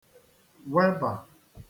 -webà